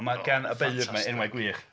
Ond mae gan y beirdd 'ma enwau gwych.